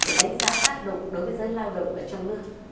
để đánh giá tác động đối với giới lao động ở trong nước